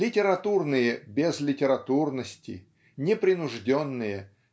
Литературные без литературности непринужденные